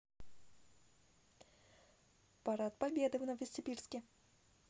парад победы в новосибирске